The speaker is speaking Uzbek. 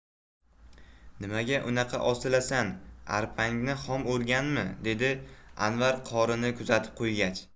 nimaga unga osilasan arpangni xom o'rganmi dedi anvar qorini kuzatib qaytgach